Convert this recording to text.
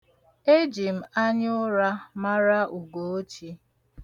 Eji m anyaụra mara Ugochi.